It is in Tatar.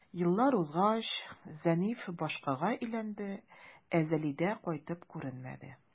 Еллар узгач, Зәниф башкага өйләнде, ә Зәлидә кайтып күренмәде.